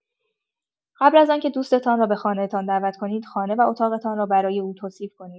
قبل از آنکه دوست‌تان را به خانه‌تان دعوت کنید، خانه و اتاق‌تان را برای او توصیف کنید.